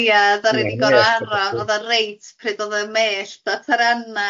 Ia ddaru ni goro aros oedd o reit pryd odd y mellt a taranna